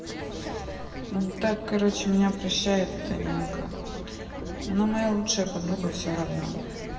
так короче меня прощает это нинка она моя лучшая подруга все равно